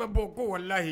bo ko walahi